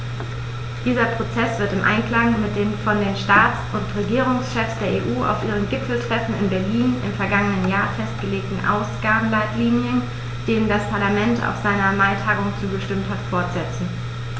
Dieser Prozess wird im Einklang mit den von den Staats- und Regierungschefs der EU auf ihrem Gipfeltreffen in Berlin im vergangenen Jahr festgelegten Ausgabenleitlinien, denen das Parlament auf seiner Maitagung zugestimmt hat, fortgesetzt.